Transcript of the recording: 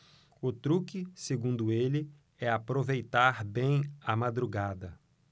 o truque segundo ele é aproveitar bem a madrugada